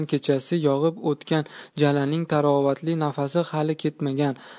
kechasi yog'ib o'tgan jalaning tarovatli nafasi hali ketmagan